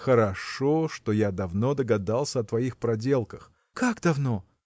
хорошо, что я давно догадался о твоих проделках. – Как, давно!